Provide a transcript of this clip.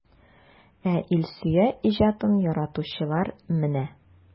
Ә Илсөя иҗатын яратучылар менә!